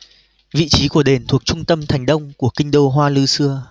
vị trí của đền thuộc trung tâm thành đông của kinh đô hoa lư xưa